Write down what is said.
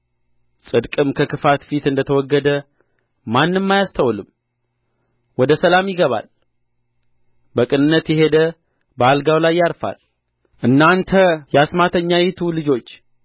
ጽድቅም ከክፋት ፊት እንደ ተወገደ ማንም አያስተውልም ወደ ሰላም ይገባል በቅንነት የሄደ በአልጋው ላይ ያርፋል እናንተ የአስማተኛይቱ ልጆች